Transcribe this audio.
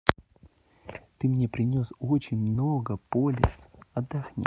ты мне принес очень много полис отдохни